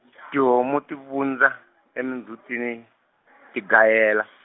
tihomu ti vundza, emindzhutini, ti gayela.